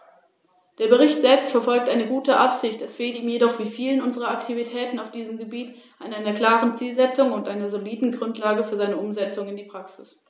Was den Zeitpunkt betrifft, so ist hier der Bericht während der Behandlung zu umfangreich geraten, wobei Detailfragen und Aspekte aufgenommen wurden, die schon in früheren Berichten enthalten waren.